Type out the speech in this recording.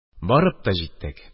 Барып та җиттек.